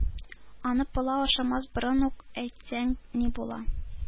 Аны пылау ашамас борын ук әйтсәң ни була!